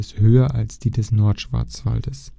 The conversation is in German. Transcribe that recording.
höher als die des Nordschwarzwaldes